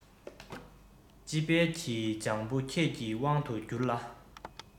དཔྱིད དཔལ གྱི ལྗང བུ ཁྱེད ཀྱི དབང དུ གྱུར ལ